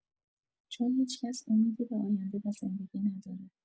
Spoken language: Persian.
چون هیچکس امیدی به آینده و زندگی نداره.